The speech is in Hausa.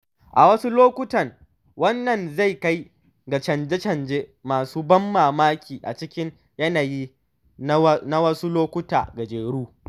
A wasu lokutan wannan zai kai ga canje-canje masu ban mamaki a cikin yanayi na wasu lokuta gajeru.